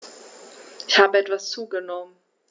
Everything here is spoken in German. Ich habe etwas zugenommen